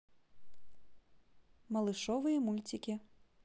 малышовые мультики